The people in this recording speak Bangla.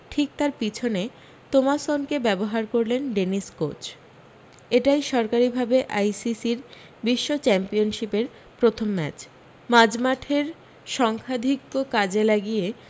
ঠিক তার পিছনে তোমাসনকে ব্যবহার করলেন ডেনিস কোচ এটাই সরকারী ভাবে আই সি সির বিশ্ব টেস্ট চ্যাম্পিয়নশিপের প্রথম ম্যাচ মাঝমাঠের সংখ্যাধিক্য কাজে লাগিয়ে